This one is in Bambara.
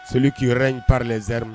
Celui qui règne par les armes